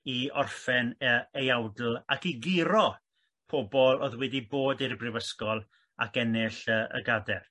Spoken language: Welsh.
i orffen yy ei awdl ac i guro pobol o'dd wedi bod i'r Brifysgol ac ennill y y gader.